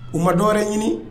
U ma dɔ ɲini